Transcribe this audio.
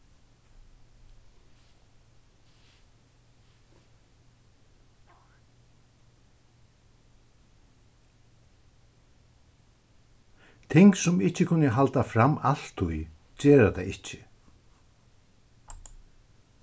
ting sum ikki kunnu halda fram altíð gera tað ikki